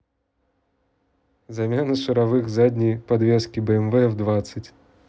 замена шаровых задней подвески бмв ф двадцать